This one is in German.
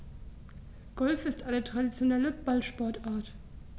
Golf ist eine traditionelle Ballsportart.